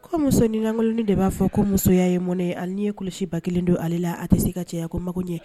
Kɔ musoninlankolonnin de b'a fɔ ko musoya ye mɔnɛn ye, hali n'i ye kulusi 1000 don ale la, a tɛ se ka cɛ ko mago ɲɛn.